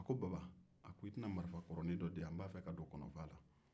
a ko baba i tɛna marifa kɔrɔnin dɔ di yan n b'a fɛ ka don kɔnɔfaa la